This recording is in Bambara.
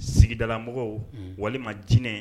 Sigidalamɔgɔw, unhun, walima jinɛ